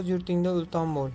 o'z yurtingda ulton bo'l